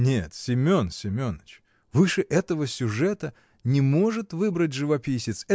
— Нет, Семен Семеныч, выше этого сюжета не может выбрать живописец.